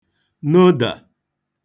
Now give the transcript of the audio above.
nodà